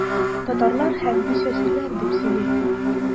Татарлар хәрби чәстләр дип сөйли.